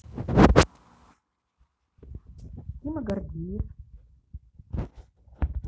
тима гордиев